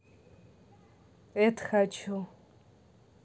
это хочу